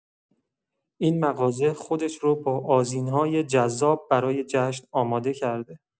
این مغازه خودش رو با آذین‌های جذاب برای جشن آماده کرده.